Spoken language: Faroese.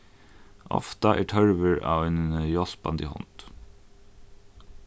ofta er tørvur á eini hjálpandi hond